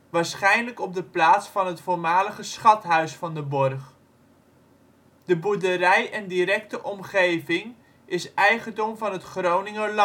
waarschijnlijk op de plaats van het voormalige schathuis van de borg. De boerderij en directe omgeving is eigendom van het Groninger